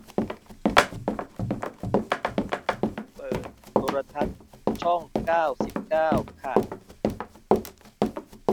เปิดโทรทัศน์ช่องเก้าสิบเก้าค่ะ